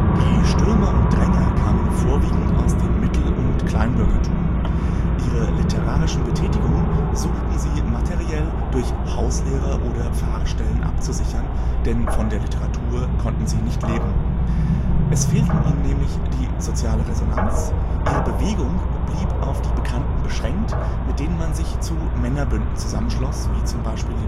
Die Stürmer und Dränger kamen vorwiegend aus dem Mittel - und Kleinbürgertum; ihre literarischen Betätigungen suchten sie materiell durch Hauslehrer - oder Pfarrstellen abzusichern, denn von der Literatur konnten sie nicht leben. Es fehlte ihnen nämlich die soziale Resonanz, ihre Bewegung blieb auf die Bekannten beschränkt, mit denen man sich zu Männerbünden zusammenschloss (z.B.